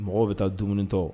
Mɔgɔ bɛ taa dumunitɔ